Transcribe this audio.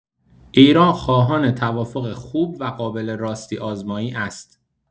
ایران خواهان توافق خوب و قابل راستی‌آزمایی است.